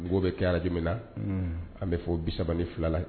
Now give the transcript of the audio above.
Mɔgɔw bɛ kɛra jumɛn na an bɛ fɔ bisa ni filala ye